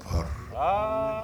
Nse